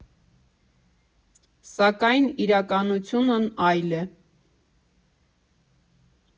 Սակայն իրականությունն այլ է։